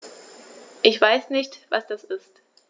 Ich weiß nicht, was das ist.